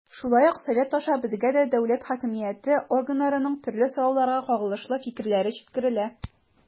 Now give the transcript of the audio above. Шулай ук Совет аша безгә дә дәүләт хакимияте органнарының төрле сорауларга кагылышлы фикерләре җиткерелә.